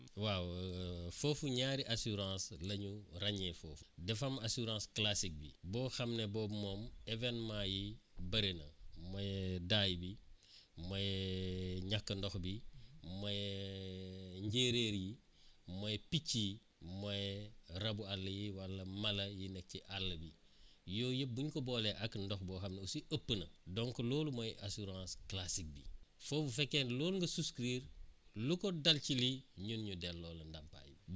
waaw foofu énaari assurance la ñu ràññee foofu dafa am assurance classique bi boo xam ne boobu moom événement yi bëre na mooy daay bi mooy ñàkk ndox bi mooy njéeréer yi mooy picc yi mooy rabu àll yi wala mala yi ne ci àll bi yooyu buñ ko boolee ak ndox boo xam ne aussi ëpp na donc loolu mooy assurance classique bi foofu fekkee ne loolu nga souscrire lu ko dal ci lii ñun ñu delloo la ndàmpaay bi